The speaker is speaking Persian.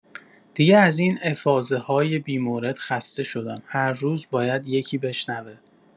دیگه از این افاضه‌های بی‌مورد خسته شدم، هر روز باید یکی بشنوه!